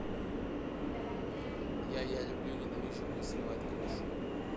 я я люблю ненавижу у меня срывает крышу